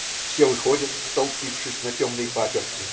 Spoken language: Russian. Все выходят, столпившись на темной паперти.